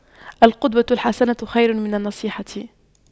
القدوة الحسنة خير من النصيحة